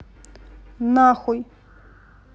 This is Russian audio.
нахуй